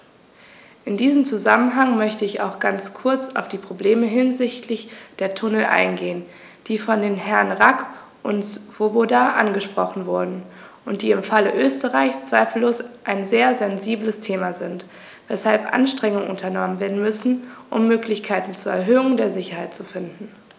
In diesem Zusammenhang möchte ich auch ganz kurz auf die Probleme hinsichtlich der Tunnel eingehen, die von den Herren Rack und Swoboda angesprochen wurden und die im Falle Österreichs zweifellos ein sehr sensibles Thema sind, weshalb Anstrengungen unternommen werden müssen, um Möglichkeiten zur Erhöhung der Sicherheit zu finden.